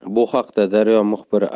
bu haqda daryo muxbiri